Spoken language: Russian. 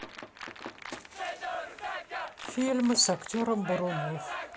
фильмы с актером бурунов